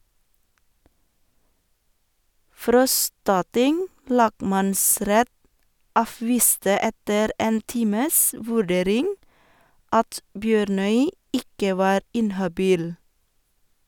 Frostating lagmannsrett avviste etter en times vurdering at Bjørnøy ikke var inhabil.